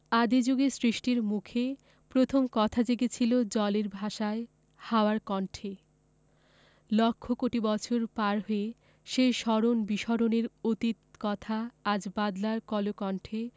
আদি জুগে সৃষ্টির মুখে প্রথম কথা জেগেছিল জলের ভাষায় হাওয়ার কণ্ঠে লক্ষ কোটি বছর পার হয়ে সেই স্মরণ বিস্মরণের অতীত কথা আজ বাদলার কলকণ্ঠে